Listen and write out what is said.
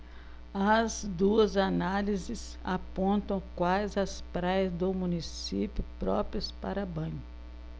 as duas análises apontam quais as praias do município próprias para banho